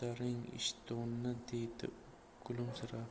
deydi u kulimsirab